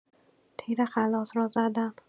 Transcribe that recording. تیر خلاص را زدن